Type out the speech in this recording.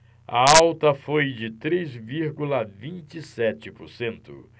a alta foi de três vírgula vinte e sete por cento